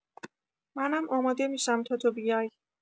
منم آماده می‌شم تا تو بیای.